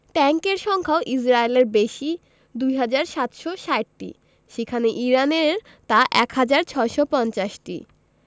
ট্যাংকের সংখ্যাও ইসরায়েলের বেশি ২ হাজার ৭৬০টি সেখানে ইরানের তা ১ হাজার ৬৫০টি